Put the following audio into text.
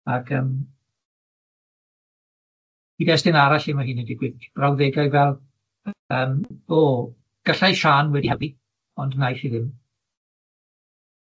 ag yym, cyd-destun arall lle ma' hyn yn digwydd, brawddegau fel, yym, o, gallai Siân wedi helpu, ond naeth hi ddim,